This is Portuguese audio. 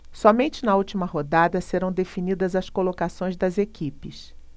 somente na última rodada serão definidas as colocações das equipes